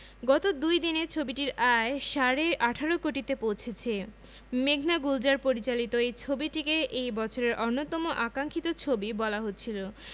গত দুই দিনে ছবিটির আয় সাড়ে ১৮ কোটিতে পৌঁছেছে মেঘনা গুলজার পরিচালিত এই ছবিটিকে এই বছরের অন্যতম আকাঙ্খিত ছবি বলা হচ্ছিল